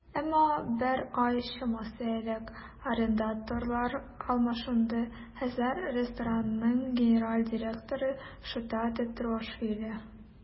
Әмма бер ай чамасы элек арендаторлар алмашынды, хәзер ресторанның генераль директоры Шота Тетруашвили.